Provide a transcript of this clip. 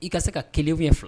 I ka se ka kelenw ye fila